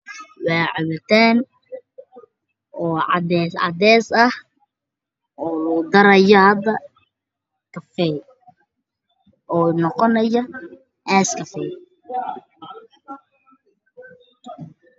Waa cabitaan ok cadays cadays ah oo lagu daraya hadda kafayga oo moqonaya aas kafey.